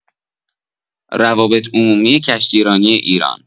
روابط‌عمومی کشتیرانی ایران